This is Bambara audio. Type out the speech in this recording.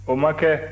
o ma kɛ